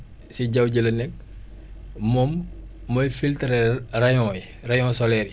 si jaww ji la nekk moom mooy filtre ra rayons yi rayons solaires yi